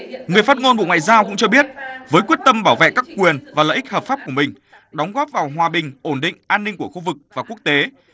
người phát ngôn bộ ngoại giao cũng cho biết với quyết tâm bảo vệ các quyền và lợi ích hợp pháp của mình đóng góp vào hòa bình ổn định an ninh của khu vực và quốc tế